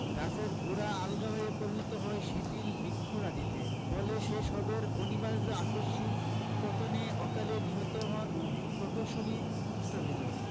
গাছের গোড়া আলগা হয়ে পরিণত হয় শিথিল বৃক্ষরাজিতে ফলে সে সবের অনিবার্য আকস্মিক পতনে অকালে নিহত হন প্রকৌশলী মোস্তাফিজুর